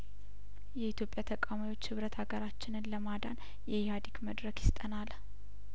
የኢትዮጵያ ተቃዋሚዎች ህብረት ሀገራችንን ለማዳን የኢህአዴግ መድረክ ይስጠን አለ